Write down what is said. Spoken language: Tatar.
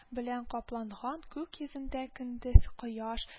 Белән капланган күк йөзендә көндез — кояш